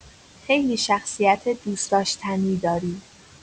خیلی شخصیت دوست‌داشتنی داری